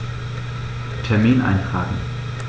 Termin eintragen